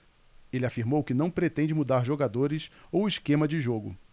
ele afirmou que não pretende mudar jogadores ou esquema de jogo